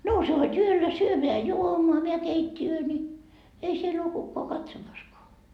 nouse hod yöllä syömään juomaan meidän keittiöön niin ei siellä ole kukaan katsomassakaan